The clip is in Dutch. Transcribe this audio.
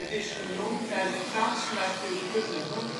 is genoemd naar de Franse natuurkundige